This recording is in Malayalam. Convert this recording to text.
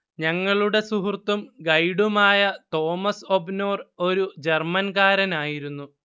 ഞങ്ങളുടെ സുഹൃത്തും ഗൈഡുമായ തോമസ് ഓബ്നോർ ഒരു ജർമൻകാരനായിരുന്നു